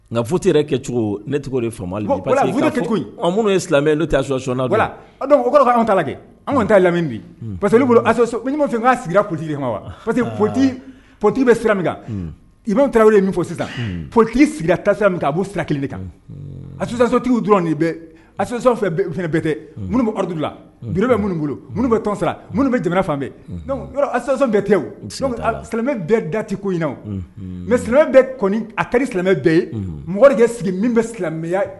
Nka foyi kɛ cogo ne cogo minnu an kɛ an taa bi parce'ti wa parce queo ptu bɛ sira min i bɛ tarawele min fɔ sisan ptisa min a bɛ fula kelen de kan a sonsotigiw dɔrɔn a bɛɛ tɛ minnu bɛdu la bi bɛ minnu bolo minnu bɛ tɔn minnu bɛ jamana fanbɛ a bɛɛ tɛ silamɛmɛ bɛɛ dati ko inina mɛ silamɛ bɛ kɔni a kari silamɛmɛ bɛɛ ye mɔgɔ de sigi min bɛ silamɛmɛya ye